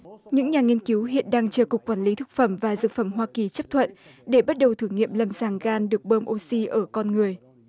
những nhà nghiên cứu hiện đang chờ cục quản lý thực phẩm và dược phẩm hoa kỳ chấp thuận để bắt đầu thử nghiệm lâm sàng gan được bơm ô xi ở con người